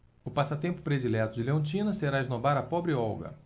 o passatempo predileto de leontina será esnobar a pobre olga